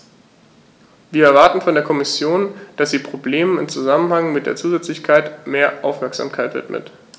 Wir erwarten von der Kommission, dass sie Problemen im Zusammenhang mit der Zusätzlichkeit mehr Aufmerksamkeit widmet.